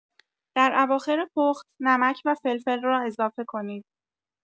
در اواخر پخت، نمک و فلفل را اضافه کنید.